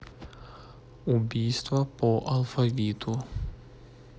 убийство по алфавиту